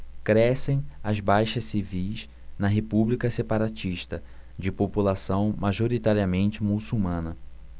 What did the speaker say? crescem as baixas civis na república separatista de população majoritariamente muçulmana